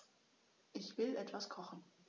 Ich will etwas kochen.